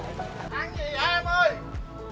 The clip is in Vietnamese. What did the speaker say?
ăn gì vậy em ơi